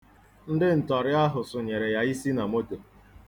Ndị ntọrị ahụ sụnyere ya isi na moto.